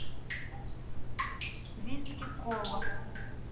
виски кола